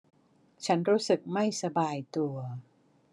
ฉันรู้สึกไม่สบายตัว